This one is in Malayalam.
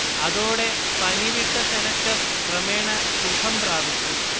അതോടെ പനിവിട്ട സെനറ്റർ ക്രമേണ സുഖം പ്രാപിച്ചു